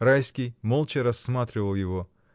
Райский молча рассматривал его.